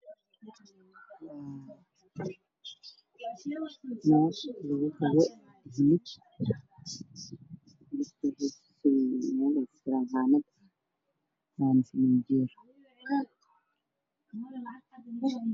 Meeshan waxaa iga muuqda dhalooyin ay ku jiraan hilib xoolo oo lasoo qalay waana meesha lagu gado hilibka ah